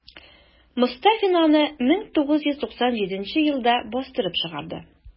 Мостафина аны 1997 елда бастырып чыгарды.